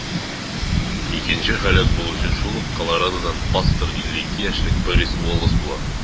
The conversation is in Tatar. Икенче һәлак булучы шул ук Колорадодан пастор - 52 яшьлек Пэрис Уоллэс була.